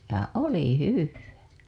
ja oli hyvää